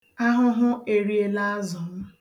Ụdị ahụhụ a ajọka.